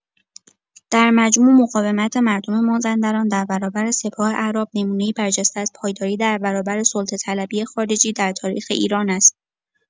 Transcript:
در مجموع، مقاومت مردم مازندران در برابر سپاه اعراب نمونه‌ای برجسته از پایداری در برابر سلطه‌طلبی خارجی در تاریخ ایران است.